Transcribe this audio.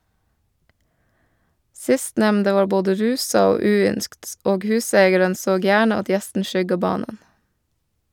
Sistnemnde var både rusa og uynskt, og huseigaren såg gjerne at gjesten skygga banen.